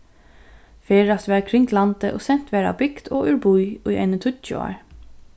ferðast varð kring landið og sent varð av bygd og úr bý í eini tíggju ár